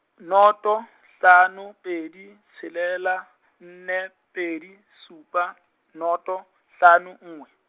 noto, hlano, pedi, tshelela, nne, pedi, supa, noto, hlano nngwe.